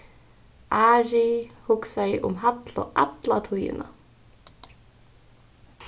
ari hugsaði um hallu alla tíðina